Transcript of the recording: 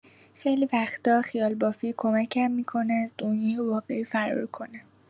خیلی وقتا خیال‌بافی کمکم می‌کنه از دنیای واقعی فرار کنم.